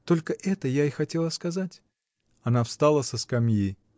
Только это я и хотела сказать. Она встала со скамьи.